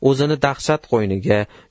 o'zini dahshat qo'yniga